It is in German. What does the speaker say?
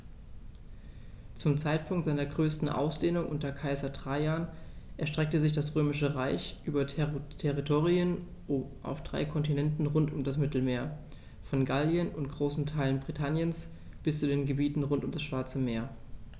Zum Zeitpunkt seiner größten Ausdehnung unter Kaiser Trajan erstreckte sich das Römische Reich über Territorien auf drei Kontinenten rund um das Mittelmeer: Von Gallien und großen Teilen Britanniens bis zu den Gebieten rund um das Schwarze Meer.